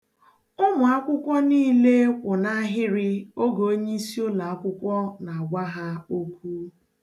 Ụmụakwụkwọ niile kwụ n'ahịrị oge onyeisi ụlọakwụkwọ na-agwa ha okwu.